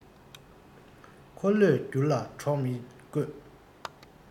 འཁོར ལོས བསྒྱུར ལ གྲོགས མི དགོས